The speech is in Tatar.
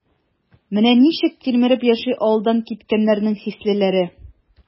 Менә ничек тилмереп яши авылдан киткәннәрнең хислеләре?